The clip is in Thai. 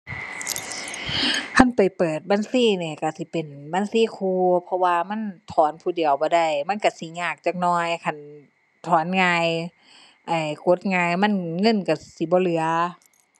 คันไปเปิดบัญชีนี่ก็สิเป็นบัญชีคู่ เพราะว่ามันถอนผู้เดียวบ่ได้ มันก็สิยากจักหน่อย คันถอนง่าย ไอ้ กดง่ายมัน เงินก็สิบ่เหลือ